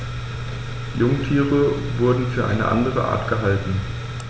Jungtiere wurden für eine andere Art gehalten.